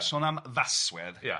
...a sôn am faswedd... Ia